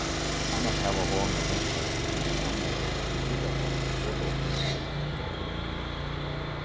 annars hava hon og vinfólkini millum annað verið í hitapotti og lopið á sjógv